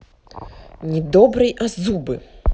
недобрый о зубы